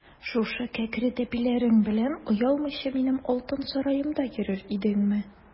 Шушы кәкре тәпиләрең белән оялмыйча минем алтын сараемда йөрер идеңме?